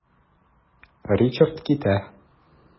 Ричард китә.